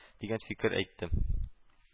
Дигән фикер әйтте